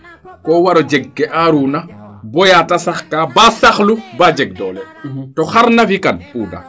ko waro jeg kee aruuna boya te sax kaa baa saxlu baa jeg doole to xar na fi kan poudre